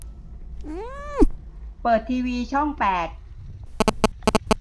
เปิดทีวีช่องแปด